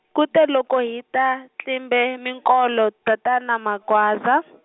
kute loko hi ta tlimbe minkolo tatana Magwaza.